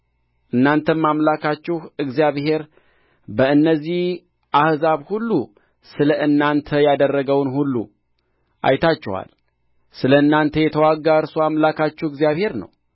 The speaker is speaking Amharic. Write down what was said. እናንተም አምላካቸሁ እግዚአብሔር በእነዚህ አሕዛብ ሁሉ ስለ እናንተ ያደረገውን ሁሉ አይታችኋል ስለ እናንተ የተዋጋ እርሱ አምላካችሁ እግዚአብሔር ነው